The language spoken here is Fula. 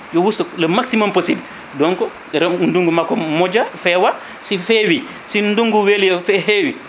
yo usto le maximum poossible donc reemde ndungu makko moƴƴa feewa si feewi si ndungu weeli no fe hewi